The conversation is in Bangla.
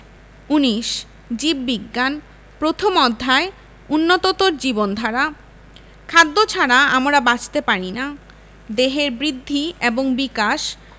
১৯ জীববিজ্ঞান প্রথম অধ্যায় উন্নততর জীবনধারা খাদ্য ছাড়া আমরা বাঁচতে পারি না দেহের বৃদ্ধি এবং বিকাশ